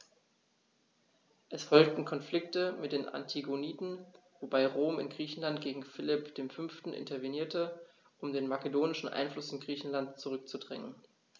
Es folgten Konflikte mit den Antigoniden, wobei Rom in Griechenland gegen Philipp V. intervenierte, um den makedonischen Einfluss in Griechenland zurückzudrängen.